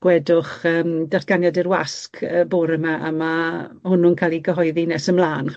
gwedwch yym datganiad i'r wasg y bore 'ma, a ma' hwnnw'n ca'l 'i cyhoeddi nes ymlaen.